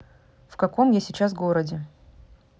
в каком я сейчас в городе